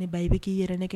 Ne ba i bɛ k'i yɛrɛ ne kɛ